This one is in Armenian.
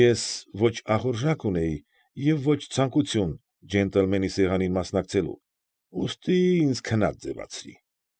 Ես ո՛չ ախորժակ ունեի և ո՛չ ցանկություն ջենտլմենի սեղանին մասնակցելու, ուստի ինձ քնած ձևացրի։